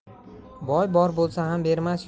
boy bor bo'lsa ham bermas